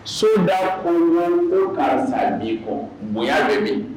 So da koɲɔgɔn ko k'a san di kɔ bonya bɛ min